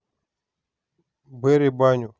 бери баню